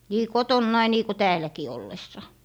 niin kotonani niin kuin täälläkin ollessa